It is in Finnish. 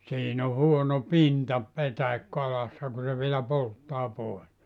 siinä on huono pinta petäikköalassa kun se vielä polttaa pois